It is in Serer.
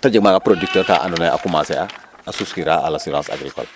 ta jeg ma producteur kaa andoona yee a commencer a a souscrire a no l' assurance agricole